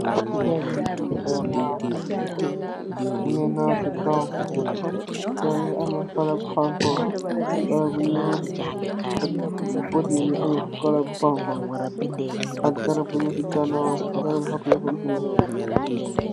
Picha bi mungi ñaw, mungi ñaw ci kaw. Picha bi mungi ameh cola bu honku, cola bu ñuul ak bout yi mungi ameh cola bu honku ak garab bu nèh ci ganaawam. Garab bi hoop yi dafa green